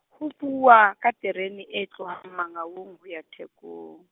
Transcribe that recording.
ho buuwa, ka terene e tlohang Mangaung ho ya Thekong.